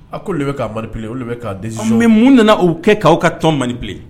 A ko olu de bɛ ka manipulé olu de bɛ ka décision ta . Mais mun de nana o kɛ aw ka tɔn manipulé ?